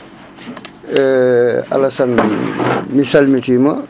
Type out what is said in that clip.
Alassane mi salmitima